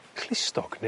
clustog